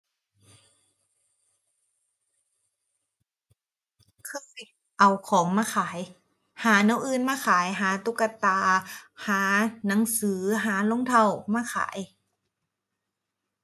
เคย เอาของมาขาย หาแนวอื่นมาขาย หาตุ๊กตา หาหนังสือ หารองเท้ามาขาย